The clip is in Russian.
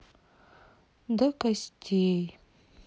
до костей